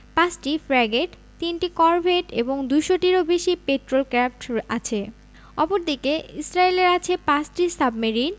৫টি ফ্র্যাগেট ৩টি করভেট এবং ২০০ টিরও বেশি পেট্রল ক্র্যাফট আছে অপরদিকে ইসরায়েলের আছে ৫টি সাবমেরিন